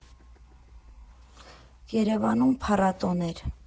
Երևանում փառատո՜ն էր։